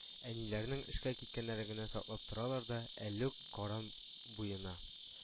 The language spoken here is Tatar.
Әниләренең эшкә киткәннәрен генә саклап торалар да, әллүк Каран буена